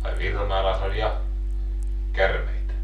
ai Virmailassa oli ja käärmeitä